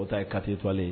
O ta ye katitɔlen ye